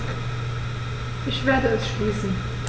Ich werde es schließen.